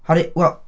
Oherwydd, wel...